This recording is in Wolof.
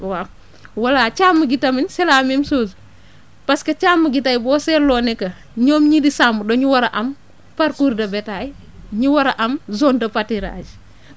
waaw voilà càmm gi tamit c' est la même chose parce que càmm gi tey boo seetloo ne que ñoom ñii di sàmm dañu war a am parcours de bétail ñu war a am zone de paturage